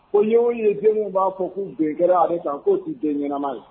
O ye u ye denw b'a fɔ k'u gɛn kɛra ale de kan k'o'u den ɲɛnaɛnɛma ye